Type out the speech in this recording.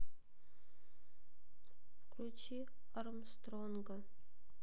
включи армстронга